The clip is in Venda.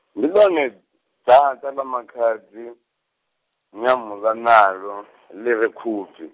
ndi ḽone, Dzaṱa ḽa makhadzi, Nyamuḽanalo , ḽi re Khubvi.